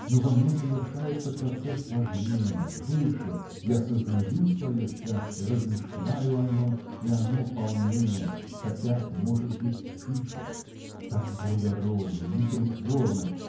но во мне совершается процесс важнее выше я сознаю свое счастье размышляю о нем и оно полнее хотя может быть тише. Как благородно непритворно